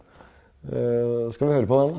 skal vi høre på den da?